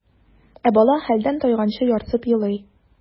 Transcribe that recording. Ә бала хәлдән тайганчы ярсып елый.